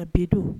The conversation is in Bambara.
Bɛdon